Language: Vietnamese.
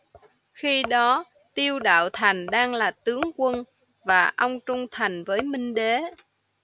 khi đó tiêu đạo thành đang là tướng quân và ông trung thành với minh đế